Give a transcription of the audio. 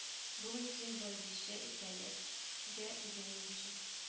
Бүген син байбичә иртәгәгә идән юучы